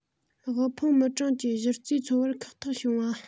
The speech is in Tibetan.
དབུལ ཕོངས མི གྲངས ཀྱི གཞི རྩའི འཚོ བར ཁག ཐེག བྱུང བ